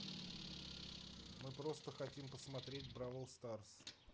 мы просто хотим посмотреть бравл старс